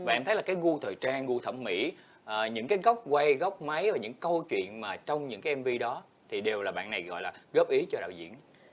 và em thấy là cái gu thời trang gu thẩm mỹ ờ những cái góc quay góc máy và những câu chuyện mà trong những cái em vi đó thì đều là bạn này gọi là góp ý cho đạo diễn